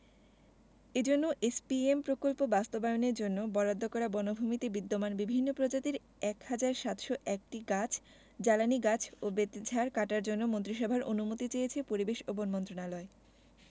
এজন্য এসপিএম প্রকল্প বাস্তবায়নের জন্য বরাদ্দ করা বনভূমিতে বিদ্যমান বিভিন্ন প্রজাতির ১ হাজার ৭০১টি গাছ জ্বালানি গাছ ও বেতঝাড় কাটার জন্য মন্ত্রিসভার অনুমতি চেয়েছে পরিবেশ ও বন মন্ত্রণালয়